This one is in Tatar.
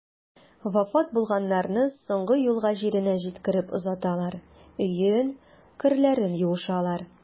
Вафат булганнарны соңгы юлга җиренә җиткереп озаталар, өен, керләрен юышалар.